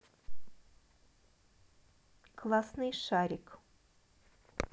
классный шарик